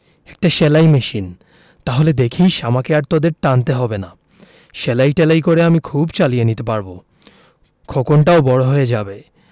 মা শরিফা এসো নানার জন্য নাশতা নিয়ে যাও শরিফা নাশতা নিয়ে এলো নানার জন্য খাবার পানি নিয়ে এলো হাত মোছার গামছা নিয়ে এলো